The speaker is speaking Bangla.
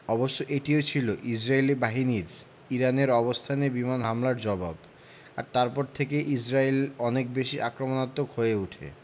অবশ্য এটিও ছিল ইসরায়েলি বাহিনীর ইরানের অবস্থানে বিমান হামলার জবাব আর তারপর থেকেই ইসরায়েল অনেক বেশি আক্রমণাত্মক হয়ে ওঠে